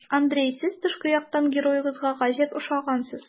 Андрей, сез тышкы яктан героегызга гаҗәп охшагансыз.